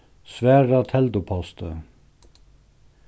svara telduposti